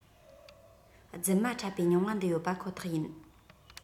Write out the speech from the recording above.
རྫུན མ འཕྲད པའི མྱོང བ འདི ཡོད པ ཁོ ཐག ཡིན